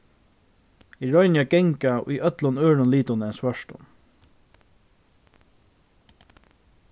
eg royni at ganga í øllum øðrum litum enn svørtum